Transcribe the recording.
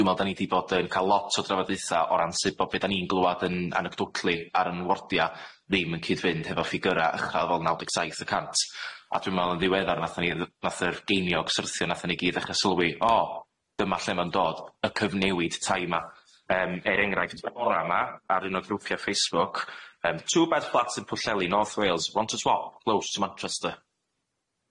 Dwi me'wl da ni di bod yn ca'l lot o drafodaetha o ran sud bo' be' dyn ni'n glywad yn anadwdli ar yn wardia ddim yn cyd-fynd hefo ffigyra' ychal fel naw deg saith y cant, a dwi me'wl yn ddiweddar nathon ni yy nath yr geiniog syrthio nathon ni gyd ddechre sylwi, o dyma lle ma'n dod y cyfnewid tai ma' yym er enghraifft y bora' yma ar un o grwpia Facebook yym two bed flats in Pwllheli North Wales want to swap close to Manchester.